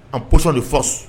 A bosa de fa